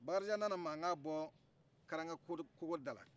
bakarijan nana mankan bɔ karanka koko da la